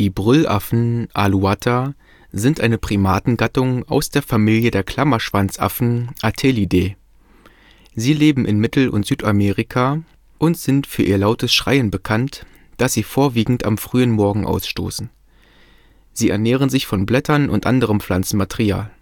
Brüllaffen (Alouatta) sind eine Primatengattung aus der Familie der Klammerschwanzaffen (Atelidae). Sie leben in Mittel - und Südamerika und sind für ihr lautes Schreien bekannt, das sie vorwiegend am frühen Morgen ausstoßen. Sie ernähren sich von Blättern und anderem Pflanzenmaterial